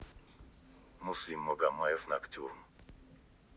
муслим магомаев ноктюрн